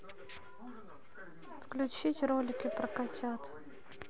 включить ролики про котят